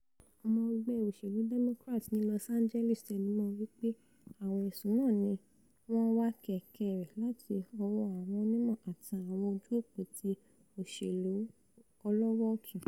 Ọmọ ẹgbẹ́ òṣèlú Democrat ní Los Angeles tẹnumọ́ ọn wí pé àwọn ẹ̀sùn náà níwọ́n ńwá kẹ̀kẹ́ rẹ̀ láti ọwọ́ àwọn onímọ̀ àti àwọn ojú-òpó ti ''òṣèlú ọlọ́wọ́-ọ̀tún''.